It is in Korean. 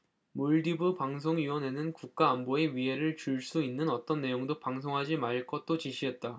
몰디브 방송위원회는 국가안보에 위해를 줄 수 있는 어떤 내용도 방송하지 말 것도 지시했다